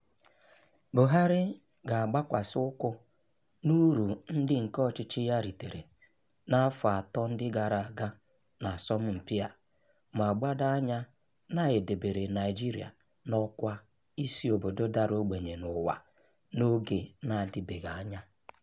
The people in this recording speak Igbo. Buhari ga-agbakwasị ụkwụ n'uru ndị nke ọchịchị ya ritere na afọ atọ ndị gara aga n'asọmpị a ma gbado anya na e debere Naịjirịa n'ọkwa isi obodo dara ogbenye n'ụwa n'oge na-adịbeghị anya.